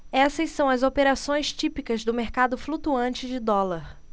essas são as operações típicas do mercado flutuante de dólar